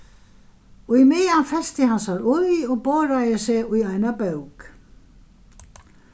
ímeðan festi hann sær í og boraði seg í eina bók